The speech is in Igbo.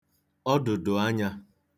ọdụ̀dụ̀ anyā